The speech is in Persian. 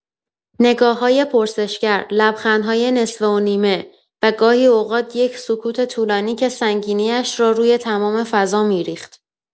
نگاه‌های پرسشگر، لبخندهای نصفه‌ونیمه، و گاهی اوقات یک سکوت طولانی که سنگینی‌اش را روی تمام فضا می‌ریخت.